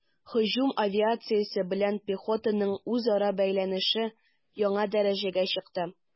Һөҗүм авиациясе белән пехотаның үзара бәйләнеше яңа дәрәҗәгә чыкты.